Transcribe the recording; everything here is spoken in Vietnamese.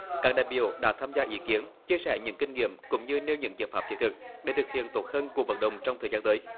các đại biểu đã tham gia ý kiến chia sẻ những kinh nghiệm cũng như nêu những giải pháp thiết thực để thực hiện tốt hơn cuộc vận động trong thời gian tới